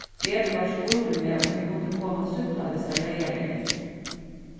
edvard spurdi meg um eg kundi koma at súkkla við sær leygardagin